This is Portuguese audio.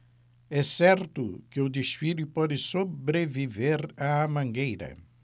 é certo que o desfile pode sobreviver à mangueira